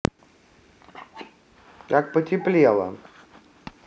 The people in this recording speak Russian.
как потеплело